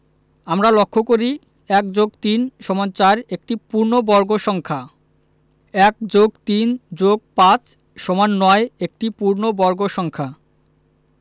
আমরা লক্ষ করি ১+৩=৪ একটি পূর্ণবর্গ সংখ্যা ১+৩+৫=৯ একটি পূর্ণবর্গ সংখ্যা